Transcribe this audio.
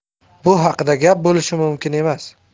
bu haqida gap bo'lishi mumkin emas